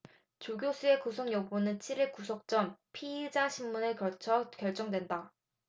조 교수의 구속 여부는 칠 일 구속 전 피의자심문을 거쳐 결정된다